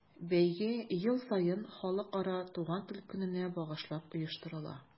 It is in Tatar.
Бәйге ел саен Халыкара туган тел көненә багышлап оештырыла.